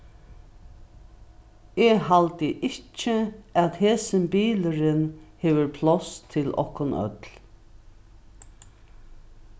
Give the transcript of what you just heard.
eg haldi ikki at hesin bilurin hevur pláss til okkum øll